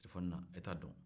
telefonina i t'a don